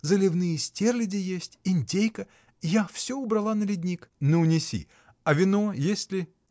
Заливные стерляди есть, индейка, я всё убрала на ледник. — Ну неси. А вино есть ли?